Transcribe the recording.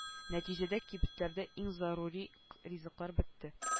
Нәтижәдә кибетләрдә иң зарури ризыклар бетте